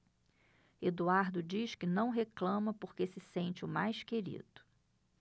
eduardo diz que não reclama porque se sente o mais querido